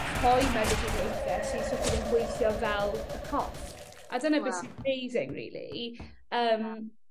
rhoi meddyginiaethe sy so't of yn gweithio fel y coff. A dyna be' sy 'mazing rili. Yym